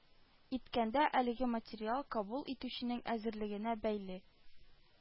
Иткәндә, әлеге материал, кабул итүченең әзерлегенә бәйле,